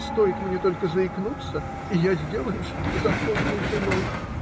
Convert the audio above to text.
Стоит мне только заикнуться, и я сделаюсь законной женой.